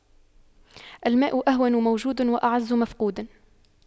الماء أهون موجود وأعز مفقود